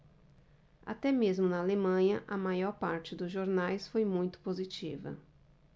até mesmo na alemanha a maior parte dos jornais foi muito positiva